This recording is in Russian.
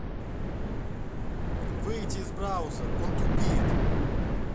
выйти из браузер он тупит